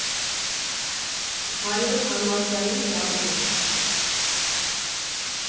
Հայոց համազգային շարժում։